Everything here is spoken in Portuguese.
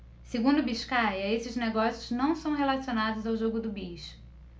segundo biscaia esses negócios não são relacionados ao jogo do bicho